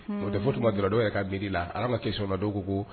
O debo tunba d dɔw yɛrɛ ka g la ala ma kesɔba dɔw ko